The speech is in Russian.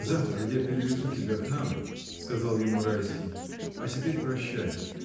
— Завтра я перевезу тебя к нам, — сказал ему Райский, — а теперь прощай!